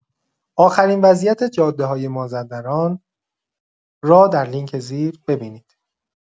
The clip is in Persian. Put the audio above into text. آخرین وضعیت جاده‌های مازندران را در لینک زیر ببینید.